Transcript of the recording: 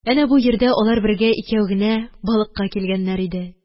Әнә бу йирдә алар бергә икәү генә балыкка килгәннәр иде